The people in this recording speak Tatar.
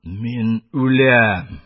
Мин үләм! -